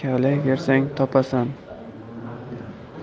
bor kavlaybersang topasan